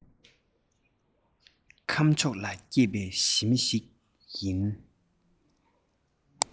ཁམས ཕྱོགས ན སྐྱེས པའི ཞི མི ཞིག ཡིན